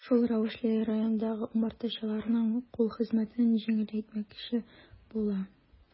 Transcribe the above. Шул рәвешле районындагы умартачыларның кул хезмәтен җиңеләйтмәкче була.